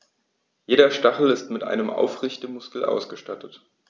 Jeder Stachel ist mit einem Aufrichtemuskel ausgestattet.